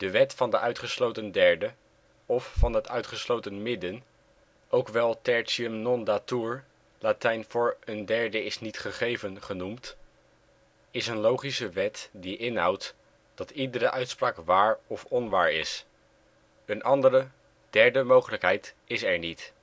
wet van de uitgesloten derde of van het uitgesloten midden, ook wel tertium non datur (Lat., " een derde is niet gegeven "), is een logische wet die inhoudt dat iedere uitspraak waar of onwaar is; een andere, derde, mogelijkheid is er niet